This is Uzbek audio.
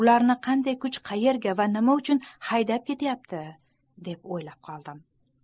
ularni qanday kuch qayerga va nima uchun haydab ketayapti deb o'ylab qoldim